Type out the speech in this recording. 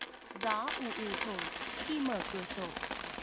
gió ù ù thổi khi mở cửa sổ